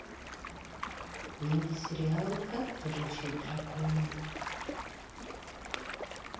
мультсериал как приручить дракона